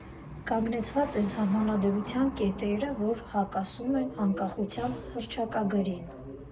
Կանգնեցված են սահմանադրության կետերը, որ հակասում են անկախության հռչակագրին։